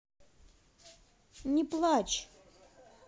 не плачь